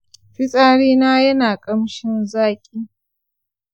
fitsarina ya na ƙamshin zaƙi.